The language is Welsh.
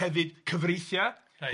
hefyd cyfreithiau reit.